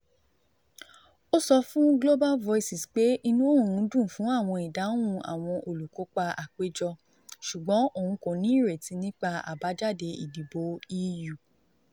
Ó sọ fún Global Voices pé inú òun dùn fún àwọn ìdáhùn àwọn olùkópa àpéjọ, ṣùgbọ́n òun kò ní ìrètí nípa àbájáde ìdìbò EU